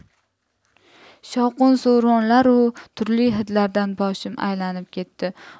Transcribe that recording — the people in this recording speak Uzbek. shovqin suronlaru turli hidlardan boshim aylanib ketdi